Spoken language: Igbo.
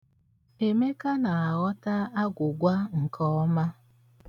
Emeka na-aghọta agwụ̀gwa nke ọma.